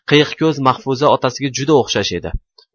qiyiq ko'z mahfuza otasiga juda o'xshash edi